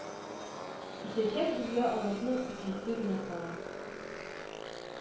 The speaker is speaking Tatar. Итәчәк, безгә аларны үтисе генә кала